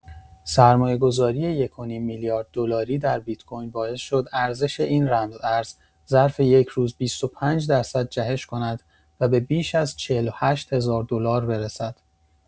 سرمایه‌گذاری یک و نیم میلیارد دلاری در بیت‌کوین باعث شد ارزش این رمز ارز ظرف یک روز ۲۵ درصد جهش کند و به بیش از ۴۸ هزار دلار برسد.